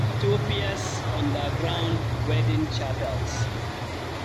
Ethiopia's underground wedding chapels